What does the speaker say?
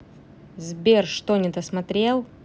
сбер что недосмотрел